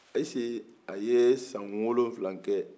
ayise a ye san wolowula kɛ